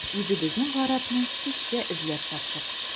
Үзебезнең гарәпне көчкә эзләп таптык.